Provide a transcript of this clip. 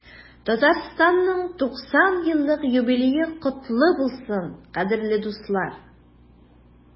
Татарстанның 90 еллык юбилее котлы булсын, кадерле дуслар!